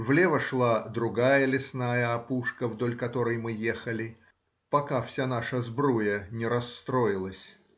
Влево шла другая лесная опушка, вдоль которой мы ехали, пока вся наша сбруя не расстроилась.